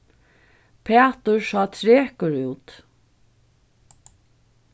pætur sá trekur út